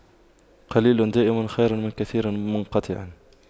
قليل دائم خير من كثير منقطع